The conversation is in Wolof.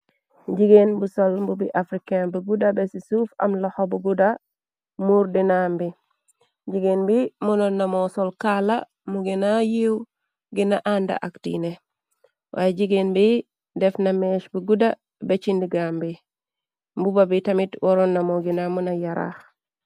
Jigeen bu sol mbubi africain bu guda be ci suuf am laxobu gudda muur dinaam bi. Jigeen bi monoon namoo sol kaala mu gina yeiw gina ànda ak diine waye jigeen bi def na mees bi guda beci ndigam bi mbuba bi tamit waroon namoo gina mëna yaraax.